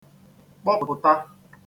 kpọpụ̀ta